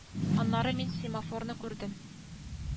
Аннары мин симофорны күрдем